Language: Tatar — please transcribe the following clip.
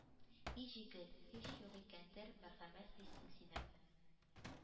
— и җегет, һич юк икәндер мәрхәмәт хиссең синең;